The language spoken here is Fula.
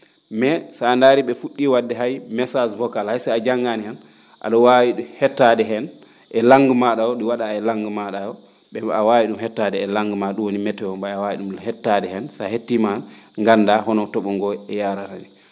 mais so a ndaarii ?e fu??ii wa?de hay message vocal hay so a janngani han a?o waawi hettaade heen e langue maa?a o ?i wa?aa he langue maa?a o a waawi ?um hettaade e langue ma ?um woni météo a wawi ?um hettaade heen si a hettiima han gannda honoo to?o ngoo yarara nin